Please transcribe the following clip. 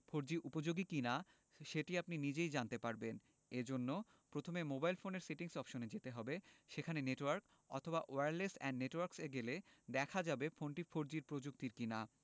four G উপযোগী কিনা সেটি আপনি নিজেই জানতে পারবেন এ জন্য প্রথমে মোবাইল ফোনের সেটিংস অপশনে যেতে হবে সেখানে নেটওয়ার্ক অথবা ওয়্যারলেস অ্যান্ড নেটওয়ার্কস এ গেলে দেখা যাবে ফোনটি ফোরজি প্রযুক্তির কিনা